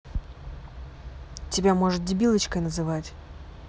тебя может дебилочкой называть